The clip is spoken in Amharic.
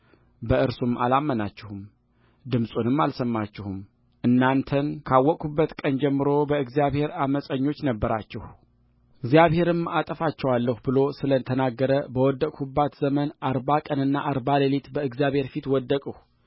በእርሱም አላመናችሁም ድምፁንም አልሰማችሁምእናንተን ካወቅሁበት ቀን ጀምሮ በእግዚአብሔር ዓመፀኞች ነበራችሁእግዚአብሔርም አጠፋችኋለሁ ብሎ ስለ ተናገረ በወደቅሁበት ዘመን አርባ ቀንና አርባ ሌሊት